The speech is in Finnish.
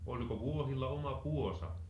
oliko vuohilla oma puosa